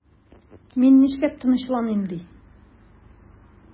Мин нишләп тынычланыйм ди?